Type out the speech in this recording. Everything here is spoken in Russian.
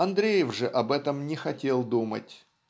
Андреев же об этом не хотел думать.